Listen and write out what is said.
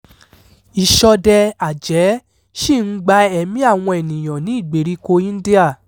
Ìṣọdẹ-àjẹ́ ṣì ń gba ẹ̀mí àwọn ènìyàn ní ìgbèríko India